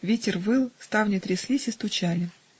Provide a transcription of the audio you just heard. ветер выл, ставни тряслись и стучали